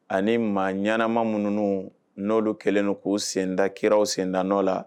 Ani maa ɲanama minnu n'oolu kɛlenw' senda kɛraw senda nɔ la